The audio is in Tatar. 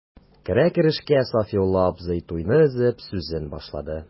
Керә-керешкә Сафиулла абзый, туйны өзеп, сүзен башлады.